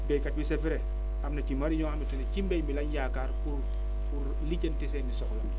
béykat wi c' est vrai am na ci ñu bëri ñoo xamante ne ci mbéy bi lañ yaakaar pour pour lijjanti seen soxla